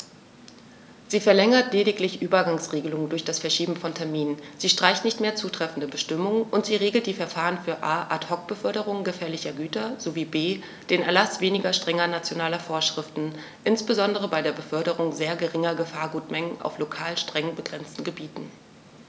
Sie verlängert lediglich Übergangsregeln durch das Verschieben von Terminen, sie streicht nicht mehr zutreffende Bestimmungen, und sie regelt die Verfahren für a) Ad hoc-Beförderungen gefährlicher Güter sowie b) den Erlaß weniger strenger nationaler Vorschriften, insbesondere bei der Beförderung sehr geringer Gefahrgutmengen auf lokal streng begrenzten Gebieten.